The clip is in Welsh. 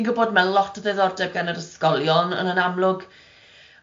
O ti'n gwbod ma' lot o ddiddordeb gan yr ysgolion yn- yn amlwg.